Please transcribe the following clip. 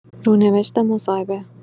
رونوشت مصاحبه